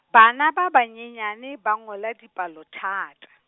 bana ba banyenyane ba ngola dipalo thata.